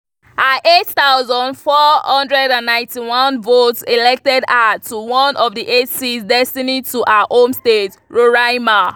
Her 8,491 votes elected her to one of the eight seats destined to her home state, Roraima.